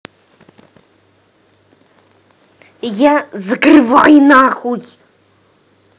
я закрывай нахуй